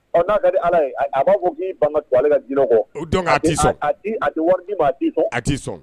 Ɔ n'a ka ala ye a b'a fɔ ko k'i ban ka to ale ka di kɔ dɔn' di sɔn a a wari min ma a' sɔn